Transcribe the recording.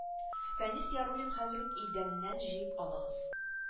Фәнис яруллин хәзер үк идәннән җыеп алыгыз